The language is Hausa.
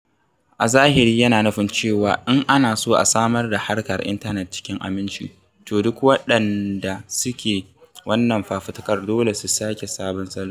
A zahiri, yana nufin cewa in ana so a samar da harkar intanet cikin aminci, to duk waɗanda suke wannan fafutukar dole su sake sabon salo.